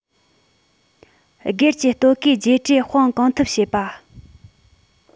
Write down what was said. སྒེར གྱི ལྟོ གོས རྒྱས སྤྲོས སྤོང གང ཐུབ བྱེད པ